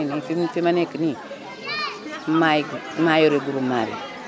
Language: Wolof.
nii fi ma nekk nii maay maa yore groupement bi